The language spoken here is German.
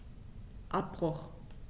Abbruch.